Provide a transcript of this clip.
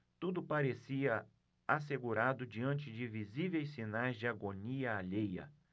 tudo parecia assegurado diante de visíveis sinais de agonia alheia